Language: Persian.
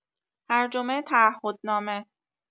ترجمه تعهدنامه